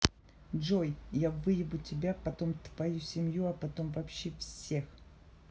джой я выебу тебя потом твою семью а потом вообще всех